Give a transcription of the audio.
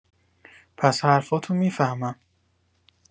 پس حرفاتو می‌فهمم